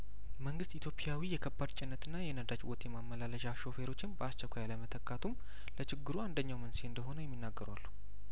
መንግስት ኢትዮፕያዊ የከባድ ጭነትና የነዳጅ ቦቴ ማመላለሻ ሹፌሮችን በአስቸኳይ ያለመተካቱም ለችግሩ አንደኛው መንስኤ እንደሆነ የሚናገሩ አሉ